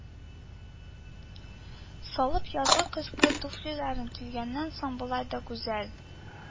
Салып, язгы-көзге туфлиләрен кигәннән соң, болай да гүзәл